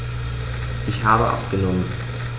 Ich habe abgenommen.